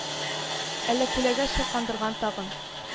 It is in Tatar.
Әллә күләгә чиркандырган тагын